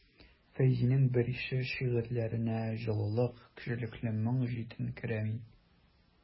Фәйзинең берише шигырьләренә җылылык, кешелекле моң җитенкерәми.